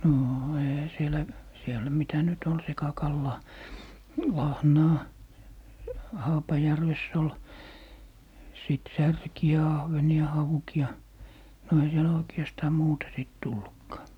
no eihän siellä siellä mitä nyt oli sekakalaa lahnaa Haapajärvessä oli sitten särkiä ahvenia haukia no ei siellä oikeastaan muuta sitten tullutkaan